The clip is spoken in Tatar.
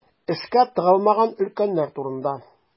Эшкә тыгылмаган өлкәннәр турында.